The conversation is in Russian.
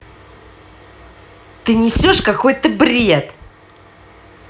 ты несешь какой то бред